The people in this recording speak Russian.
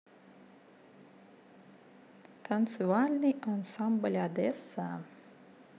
танцевальный ансамбль одесса